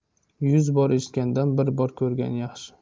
yuz bor eshitgandan bir bor ko'rgan yaxshi